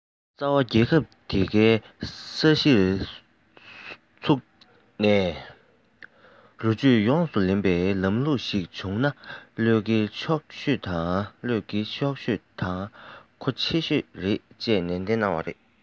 རྩ བ རྒྱལ ཁབ དེ གའི ས གཞིར ཚུགས ནས རོ བཅུད ཡོངས སུ ལེན པའི ལམ ལུགས ཤིག བྱུང ན བློས འགེལ ཆོག ཤོས དང མཁོ ཆེ ཤོས རེད ཅེས ནན བཤད གནང བ རེད